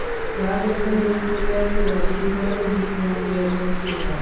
g'amingni do'stingga aytma kuyunadi dushmaningga aytma suyunadi